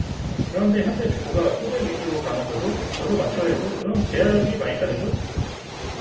그런데 현대축구가 포백 위주로 가면서 저도 맞춰야 했고 그럼 제약이 많이 따르죠